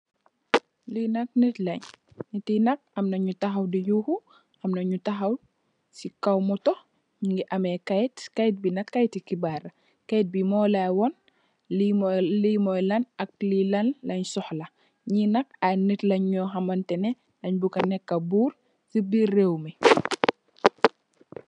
Lii nak nit len. Nitt Yi nak Amna nyu tahaw di yuhu, Amna nyu tahaw si kaw motor yungi ameh Kait yi nak kaiti xibarr la. Kaiit bi molay wan lii Moy lan ak lii lany sohla. Nyinak ayy nit len nyo xamantaneh deny buga neka burr sii birr rewmi.